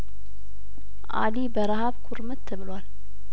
አሊ በረሀብ ኩርምት ብሏል